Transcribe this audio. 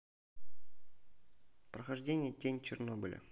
прохождение тень чернобыля